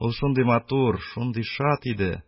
Ул шундый матур, шундый шат иде,